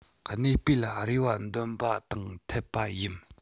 གནས སྤོས ལ རེ བ འདོན པ དང འཐད པ ཡིན